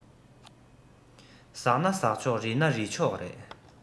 ཟག ན ཟག ཆོག རིལ ན རིལ ཆོག རེད